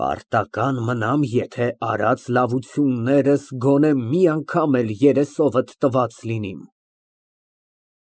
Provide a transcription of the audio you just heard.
Պարտական մնամ, եթե արած լավություններս գոնե մի անգամ երեսովդ տված լինիմ։